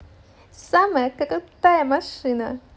самая крутая машина